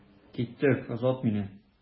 Киттек, озат мине.